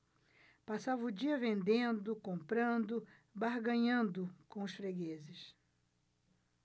passava o dia vendendo comprando barganhando com os fregueses